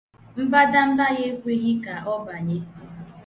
Mbadamba ya ekweghị ka ọ banye.